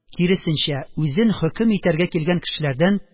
Киресенчә, үзен хөкем итәргә килгән кешеләрдән